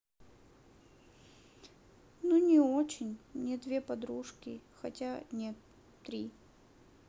ну не очень мне две подружки хотя нет три